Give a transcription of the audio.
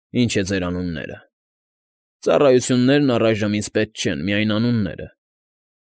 Ի՞նչ են ձեր անունները։ Ծառայություններն առայժմ պետք չեն, միայն անունները։